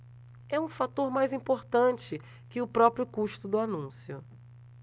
é um fator mais importante que o próprio custo do anúncio